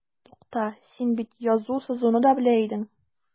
Тукта, син бит язу-сызуны да белә идең.